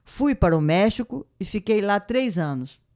fui para o méxico e fiquei lá três anos